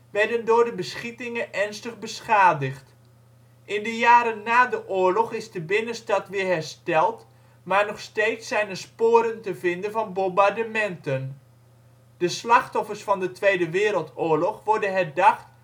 werden door de beschietingen ernstig beschadigd. In de jaren na de oorlog is de binnenstad weer hersteld maar nog steeds zijn er sporen te vinden van de bombardementen. De slachtoffers van de Tweede Wereldoorlog worden herdacht